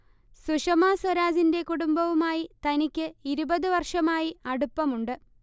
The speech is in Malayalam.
സുഷമാ സ്വരാജിന്റെ കുടുംബവുമായി തനിക്ക് ഇരുപത് വർഷമായി അടുപ്പമുണ്ട്